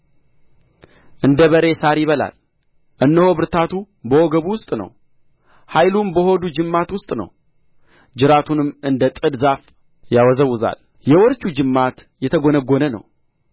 እንደ በሬ ሣር ይበላል እነሆ ብርታቱ በወገቡ ውስጥ ነው ኃይሉም በሆዱ ጅማት ውስጥ ነው ጅራቱን እንደ ጥድ ዛፍ ያወዛውዛል የወርቹ ጅማት የተጐነጐነ ነው